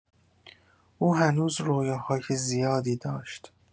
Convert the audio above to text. او هنوز رویاهای زیادی داشت.